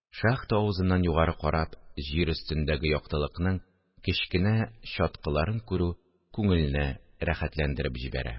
Шахта авызыннан югары карап, җир өстендәге яктылыкның кечкенә чаткыларын күрү күңелне рәхәтләндереп җибәрә